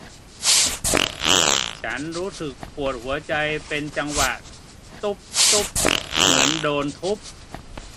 ฉันรู้สึกปวดหัวใจเป็นจังหวะตุ้บตุ้บเหมือนโดนทุบ